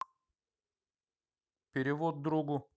перевод другу